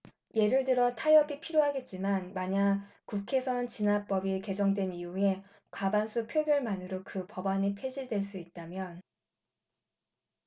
예를 들어 타협이 필요하겠지만 만약 국회선진화법이 개정된 이후에 과반수 표결만으로 그 법안이 폐지될 수 있다면